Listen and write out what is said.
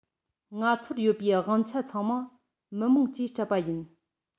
ང ཚོར ཡོད པའི དབང ཆ ཚང མ མི དམངས ཀྱིས སྤྲད པ ཡིན